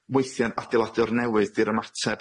Weithie'n adeiladu o'r newydd 'di'r ymateb.